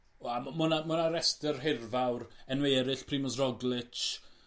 Wel ma' 'na ma' 'na rester hirfawr. Enw eryll Primož Roglič